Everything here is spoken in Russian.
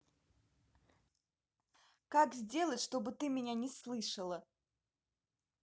как сделать чтобы ты меня не слышала